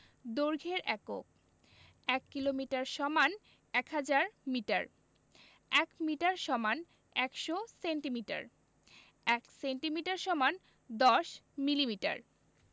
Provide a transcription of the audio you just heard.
দৈর্ঘ্যের এককঃ ১ kilometre = ১০০০ metre ১ metre = ১০০ centimetre ১ centimetre = ১০ millimetre